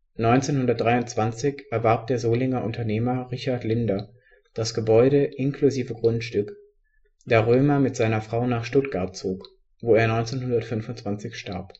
1923 erwarb der Solinger Unternehmer Richard Linder das Gebäude inklusive Grundstück, da Römer mit seiner Frau nach Stuttgart zog, wo er 1925 starb